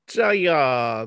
Joio!